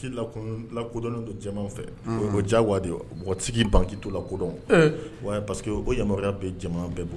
La la kodɔn don jama fɛ o ko jawa de mɔgɔtigi banki to la kodɔn wa parceseke o ko yama bɛ jama bɛɛ bɔ